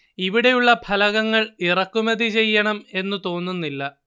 ഇവിടെ ഉള്ള ഫലകങ്ങൾ ഇറക്കുമതി ചെയ്യണം എന്നു തോന്നുന്നില്ല